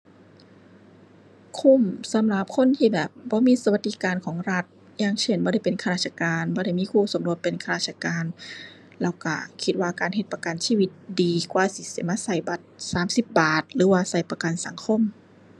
คุ้มสำหรับคนที่แบบบ่มีสวัสดิการของรัฐ อย่างเช่นบ่ได้เป็นข้าราชการ บ่ได้มีคู่สมรสเป็นข้าราชการ แล้วก็คิดว่าการเฮ็ดประกันชีวิตดีกว่าที่สิมาก็บัตรสามสิบบาท หรือว่าก็ประกันสังคม